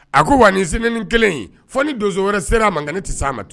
A ko wa z kelen fɔ ni donso wɛrɛ sera man kan tɛ se'a matu